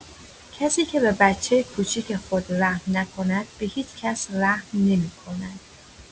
کسی که به بچه کوچک خود رحم نکند به هیچ‌کس رحم نمی‌کند.